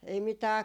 ei mitään